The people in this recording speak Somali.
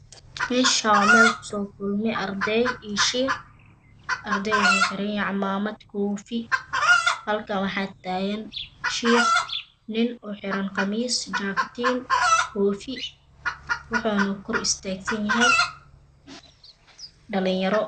Meeshan waa meel ay kusoo kulmeen arday iyo shiiq ardayda waxay xiranyihiin cimaad iyo koofi halkan waxaa taagan shiiq nin xiran qamiis iyo jaakatiin koofi wuxuuna kor istaag sanyahay dhalanyaro